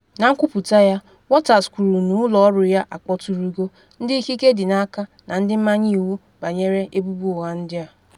Na nkwuputa ya, Waters kwuru na ụlọ ọrụ ya akpọturugo “ ndị ikike dị n’aka na ndị mmanye iwu banyere ebubo ụgha ndị a.